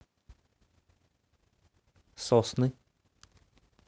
сосны